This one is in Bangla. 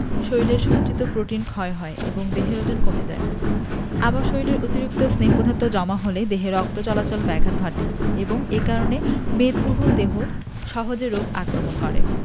শরীলের সঞ্চিত প্রোটিন ক্ষয় হয় এবং দেহের ওজন কমে যায় আবার শরীরে অতিরিক্ত স্নেহ পদার্থ জমা হলে দেহে রক্ত চলাচল ব্যাঘাত ঘটে এবং এ কারণে মেদবহুল দেহ সহজে রোগ আক্রমণ করে